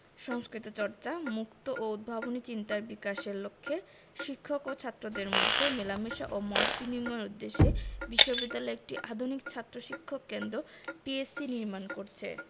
সংস্কৃতিচর্চা মুক্ত ও উদ্ভাবনী চিন্তার বিকাশের লক্ষ্যে শিক্ষক ও ছাত্রদের মধ্যে মেলামেশা ও মত বিনিময়ের উদ্দেশ্যে বিশ্ববিদ্যালয় একটি আধুনিক ছাত্র শিক্ষক কেন্দ্র টিএসসি নির্মাণ করছে